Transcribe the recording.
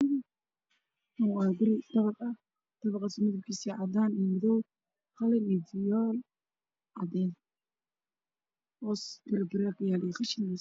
Meeshaan waxaa iga muuqda dabaq caddaan oo aada u dheer oo daaqada leh